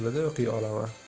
tilini o'qiy olaman